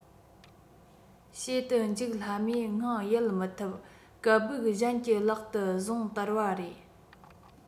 བྱེད དུ འཇུག སླ མོས ངང ཡལ མི ཐུབ སྐད སྦུག གཞན གྱི ལག ཏུ བཟུང དར བ རེད